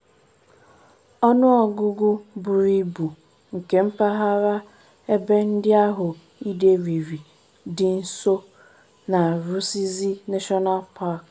Ọnụ ọgụgụ buru ibu nke mpaghara ebe ndị ahụ idei riri dị nso na Rusizi National Park.